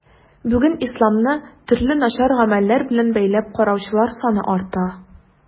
Бүген исламны төрле начар гамәлләр белән бәйләп караучылар саны арта.